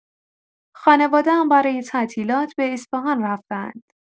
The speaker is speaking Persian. خانواده‌ام برای تعطیلات به اصفهان رفتند.